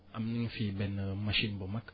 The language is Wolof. am nañu fii benn machine bu mag